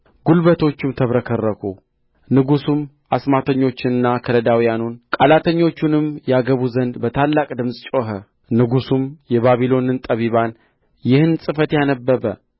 ጕልበቶቹም ተብረከረኩ ንጉሡም አስማተኞቹንና ከለዳውያኑን ቃላተኞቹንም ያገቡ ዘንድ በታላቅ ድምፅ ጮኸ ንጉሡም የባቢሎንን ጠቢባን ይህን ጽሕፈት ያነበበ